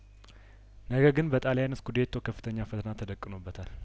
ነገ ግን በጣልያን ስኩዴቶ ከፍተኛ ፈተና ተደቅኖበታል